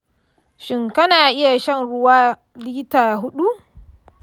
shin kana iya shan ruwa lita huɗu?